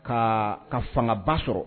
Ka ka fangaba sɔrɔ